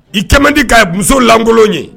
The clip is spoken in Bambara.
I caman di ka musolan ye